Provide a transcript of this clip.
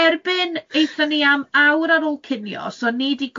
Erbyn aethon ni am awr ar ôl cinio, so o'n i 'di